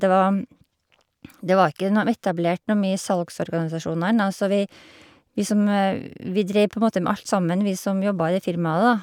det var Det var ikke nåm etablert noe mye salgsorganisasjoner enda, så vi vi som vi dreiv på en måte med alt sammen, vi som jobba i det firmaet, da.